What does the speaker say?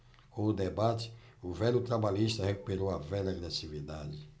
com o debate o velho trabalhista recuperou a velha agressividade